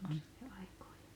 on siitä aikaa jo